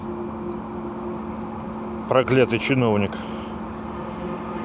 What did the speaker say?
проклятый чиновник